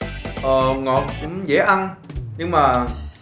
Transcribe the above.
ờ ngọt cũng dễ ăn nhưng mà